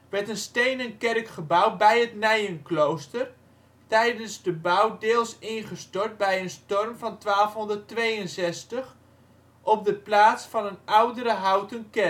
werd een stenen kerk gebouwd bij het Nijenklooster (tijdens de bouw deels ingestort bij een storm in 1262) op de plaats van een oudere houten kerk. In 1268